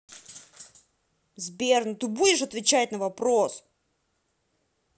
сбер ну ты будешь отвечать на вопрос